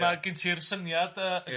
ma' gen ti'r syniad yy